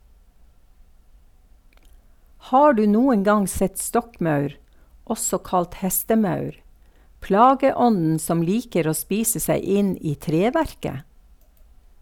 Har du noen gang sett stokkmaur, også kalt hestemaur, plageånden som liker å spise seg inn i treverket?